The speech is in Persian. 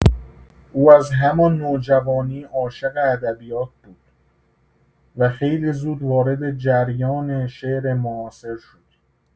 او از همان نوجوانی عاشق ادبیات بود و خیلی زود وارد جریان شعر معاصر شد.